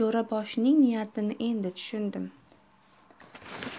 jo'raboshining niyatini endi tushundim